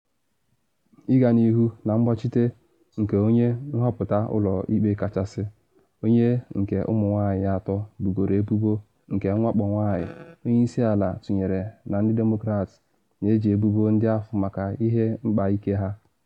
Ịga n’ihu na mgbachite nke onye nhọpụta Ụlọ Ikpe Kachasị, onye nke ụmụ nwanyị atọ bogoro ebubo nke nwakpo nwanyị, onye isi ala tụnyere na ndị Demokrat na eji ebubo ndị ahụ maka ihe mkpa nke ha.